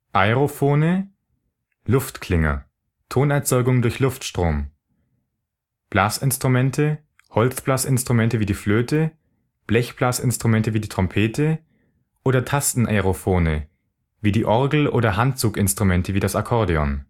Aerophone („ Luftklinger “– Tonerzeugung durch Luftstrom) Blasinstrumente Holzblasinstrumente wie die Flöte Blechblasinstrumente wie die Trompete Tasten-Aerophone wie die Orgel oder Handzuginstrumente wie das Akkordeon